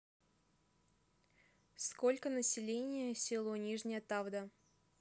сколько население село нижняя тавда